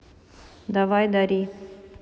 давай дари